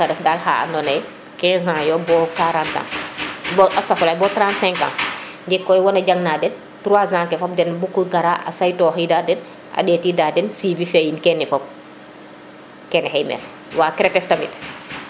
fata ref dal xa ando naye 15 ans yo bo 40 ans bo astafrilula bo 35 ans ndiiŋ koy wona jang na den 3 ans ke fop den buko gara a say toxida den a ndeti da den suivi fe yin kene yin afop kene xay meen wa Cretef tamit